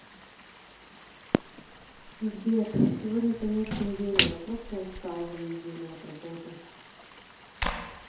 сбер сегодня конец недели я просто устал за неделю от работы